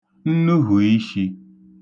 nnuhùishī